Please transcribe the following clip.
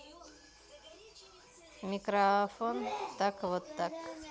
микрофон так вот так